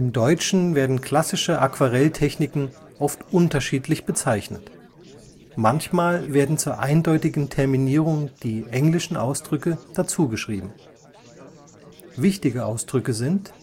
Deutschen werden klassische Aquarelltechniken oft unterschiedlich bezeichnet. Manchmal werden zur eindeutigen Terminierung die englischen Ausdrücke dazu geschrieben. Wichtige Ausdrücke sind